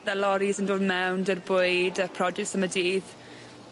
Fel loris yn dod mewn 'dyr bwyd y produce am y dydd